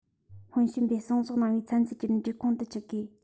སྔོན བྱོན པས གསོག འཇོག གནང བའི ཚན རྩལ གྱི གྲུབ འབྲས ཁོང དུ ཆུད དགོས